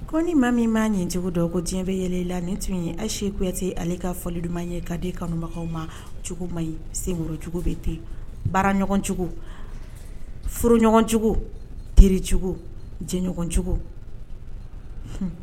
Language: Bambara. Ko ni ma min b' nincogo dɔn ko diɲɛ bɛ yɛlɛla ni tun ye ayise kuyate ale ka fɔli dumanuma ye ka den kanubagaw ma cogo maye senkɔrɔcogo bɛ ten baara ɲɔgɔncogo foro ɲɔgɔncogo tericogo jɛɲɔgɔncogo hun